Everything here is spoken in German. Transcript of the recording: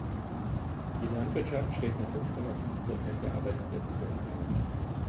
Die Landwirtschaft stellt nur 5,5 % der Arbeitsplätze der Union.